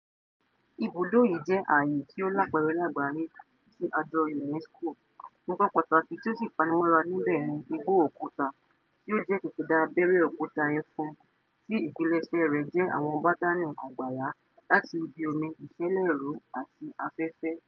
Ibùdó yìí jẹ́ Ààyè tí ó Lápẹẹrẹ Lágbàáyé tí àjọ UNESCO, nǹkan pàtàkì tí ó sì fanimọ́ra níbẹ̀ ni igbó òkúta tí ó jẹ́ kìkìdá abẹ́rẹ́ òkúta ẹfun tí ìpilẹ̀ṣẹ̀ rẹ̀ jẹ́ àwọn bátànì àgbàrá láti ibi omi ìsẹ́lẹ̀rú àti afẹ́fẹ́.